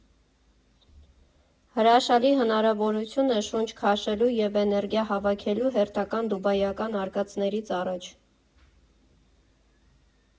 Հրաշալի հնարավորություն է շունչ քաշելու և էներգիա հավաքելու՝ հերթական դուբայական արկածներից առաջ։